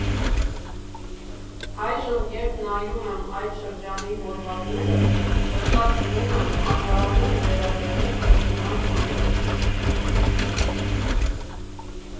Այժմ, երբ նայում եմ այդ շրջանի հոդվածներս, հստակ զգում եմ աչառու վերաբերմունքս նրանց հանդեպ։